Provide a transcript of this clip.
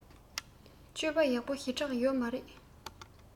སྤྱོད པ ཡག པོ ཞེ དྲགས ཡོད མ རེད